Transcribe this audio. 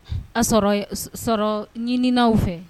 A'a sɔrɔ sɔrɔ ɲinina fɛ